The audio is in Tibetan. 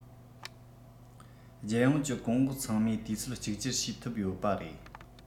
རྒྱལ ཡོངས ཀྱི གོང འོག ཚང མས དུས ཚོད གཅིག གྱུར བྱས ཐུབ ཡོད པ རེད